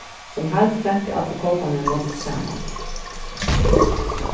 sum heild flentu allir kóparnir nógv saman